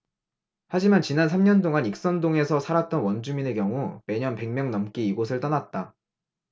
하지만 지난 삼 년동안 익선동에서 살았던 원주민의 경우 매년 백 명 넘게 이곳을 떠났다